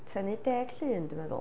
Tynnu deg llun, dwi'n meddwl.